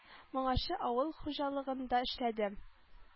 Моңарчы авыл хуҗалыгында эшләдем